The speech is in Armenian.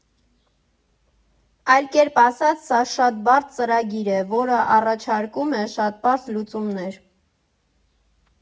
Այլ կերպ ասած՝ սա շատ բարդ ծրագիր է, որը առաջարկում է շատ պարզ լուծումներ։